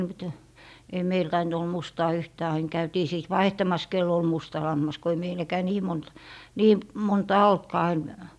mutta ei meillä tainnut olla mustaa yhtään aina käytiin sitten vaihtamassa kenellä oli musta lammas kun ei meilläkään niin monta niin montaa ollutkaan enää